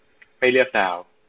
ไม่เลือกดาว